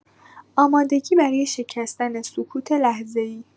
آمادگی برای شکستن سکوت لحظه‌ای